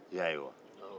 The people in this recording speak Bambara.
i y'a ye wa